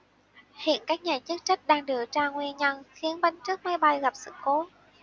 hiện các nhà chức trách đang điều tra nguyên nhân khiến bánh trước máy bay gặp sự cố